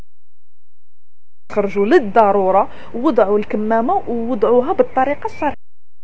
ضروره وضع الكمامه ودوها بالطريقه